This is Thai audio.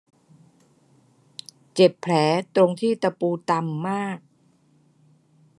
เจ็บแผลตรงที่ตะปูตำมาก